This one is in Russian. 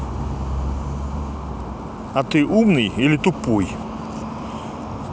а ты умный или тупой